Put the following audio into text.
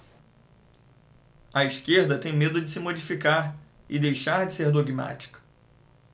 a esquerda tem medo de se modificar e deixar de ser dogmática